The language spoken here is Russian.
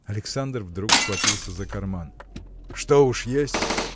Александр вдруг схватился за карман. – Что, уж есть?